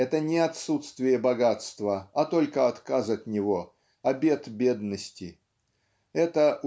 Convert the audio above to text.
это не отсутствие богатства, а только отказ от него, обет бедности это